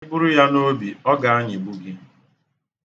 I buru ya n'obi, ọ ga-anyịgbu gị.